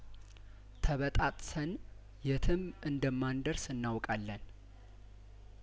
ተበጣጥሰን የትም እንደማን ደርስ እናውቃለን